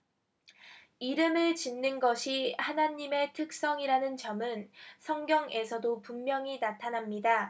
이름을 짓는 것이 하느님의 특성이라는 점은 성경에서도 분명히 나타납니다